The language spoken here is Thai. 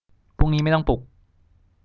พรุ่งนี้ไม่ต้องปลุก